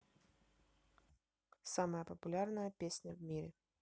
самая популярная песня в мире